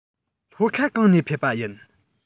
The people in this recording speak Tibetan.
ལྷོ ཁ གང ནས ཕེབས པ ཡིན